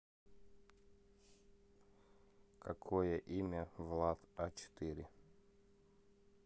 какое имя влад а четыре